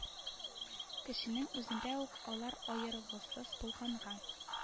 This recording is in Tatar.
Кешенең үзендә үк алар аерылгысыз булганга